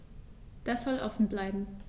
Das soll offen bleiben.